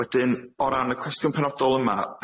Wedyn o ran y cwestiwn penodol yma,